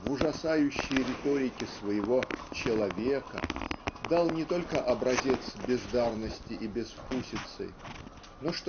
в ужасающей риторике своего "Человека" дал не только образец бездарности и безвкусицы но